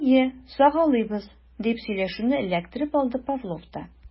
Әйе, сагалыйбыз, - дип сөйләшүне эләктереп алды Павлов та.